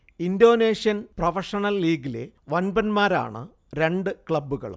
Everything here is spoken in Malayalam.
ഇന്തോനേഷ്യൻ പ്രൊഫഷണൽ ലീഗിലെ വമ്പന്മാരാണ് രണ്ട് ക്ലബുകളും